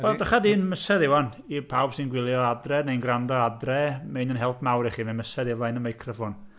Wel drycha di'n mysedd i 'wan, i bawb sy'n gwylio'r adre neu'n gwrando adre, mae hyn yn help mawr i chi, mae mysedd i o flaen y meicroffon.